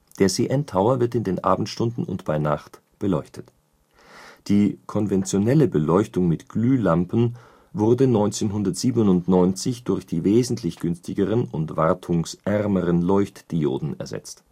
CN Tower wird in den Abendstunden und bei Nacht beleuchtet. Die konventionelle Beleuchtung mit Glühlampen wurde 1997 durch die wesentlich günstigeren und wartungsärmeren Leuchtdioden ersetzt